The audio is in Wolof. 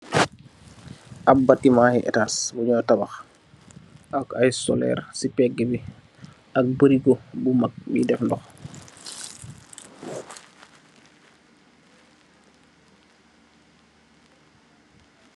Ap batima hi ètas bu ñooy tabax ak ay soleer ci pegga bi ak barigo bu mag buy def ndox.